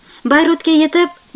bayrutga yetib